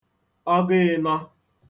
ọgụ ị̄nọ̄